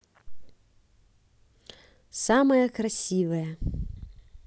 самая красивая